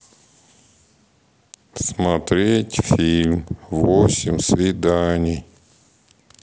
смотреть фильм восемь свиданий